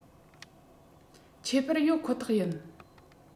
ཁྱད པར ཡོད ཁོ ཐག ཡིན